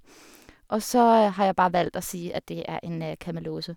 Og så har jeg bare valgt å si at det er en Kamelose.